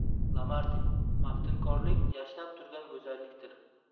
lamartin maftunkorlik yashnab turgan go'zallikdir